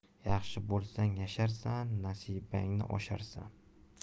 yaxshi bo'lsang yasharsan nasibangni osharsan